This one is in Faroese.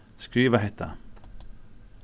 skriva hetta